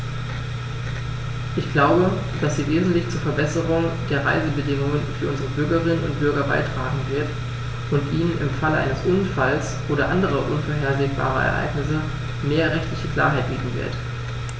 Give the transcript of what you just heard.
Ich glaube, dass sie wesentlich zur Verbesserung der Reisebedingungen für unsere Bürgerinnen und Bürger beitragen wird, und ihnen im Falle eines Unfalls oder anderer unvorhergesehener Ereignisse mehr rechtliche Klarheit bieten wird.